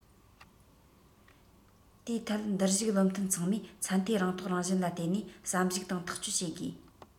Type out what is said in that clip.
དེའི ཐད འདིར བཞུགས བློ མཐུན ཚང མས ཚད མཐོའི རང རྟོགས རང བཞིན ལ བརྟེན ནས བསམ གཞིགས དང ཐག གཅོད བྱེད དགོས